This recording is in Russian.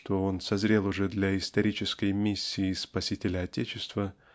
что он созрел уже для исторической миссии спасителя отечества